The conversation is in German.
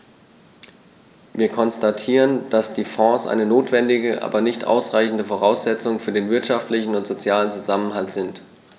Wir konstatieren, dass die Fonds eine notwendige, aber nicht ausreichende Voraussetzung für den wirtschaftlichen und sozialen Zusammenhalt sind.